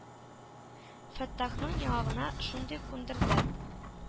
Фәттахның яңагына шундый кундырды,